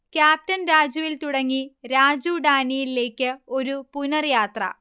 captain രാജുവിൽ തുടങ്ങി രാജു ഡാനിയേലിലേക്ക് ഒരു പുനർയാത്ര